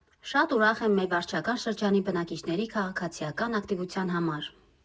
«Շատ ուրախ եմ մեր վարչական շրջանի բնակիչների քաղաքացիական ակտիվության համար։